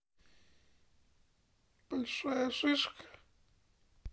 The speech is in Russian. большая шишка